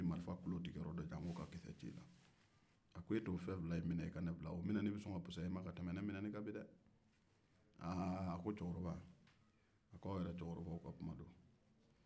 a ko e t'o fɛn fila in mine i ka ne bila o minɛni be sɔn ka fusaya e ma ka tɛmɛ ne mineni kan bi dɛ a ko aw yɛrɛ cɛkorɔbaw ka kuma don